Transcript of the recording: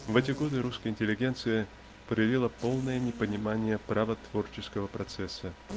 В эти годы русская интеллигенция проявила полное непонимание правотворческого процесса